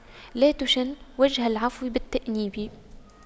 لا تشن وجه العفو بالتأنيب